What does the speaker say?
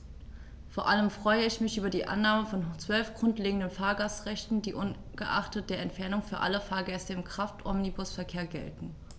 Vor allem freue ich mich über die Annahme von 12 grundlegenden Fahrgastrechten, die ungeachtet der Entfernung für alle Fahrgäste im Kraftomnibusverkehr gelten.